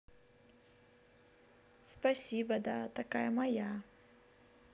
спасибо да такая моя